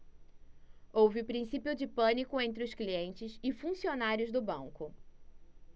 houve princípio de pânico entre os clientes e funcionários do banco